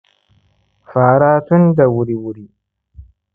fara tun da wuri-wuri